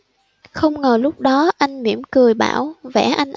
không ngờ lúc đó anh mỉm cười bảo vẽ anh